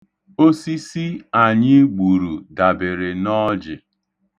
Osisi anyị gburu dabere n’ọji.